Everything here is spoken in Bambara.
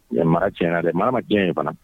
Nin ye mara tiɲɛɲɛna dɛ maa ma diya ye fana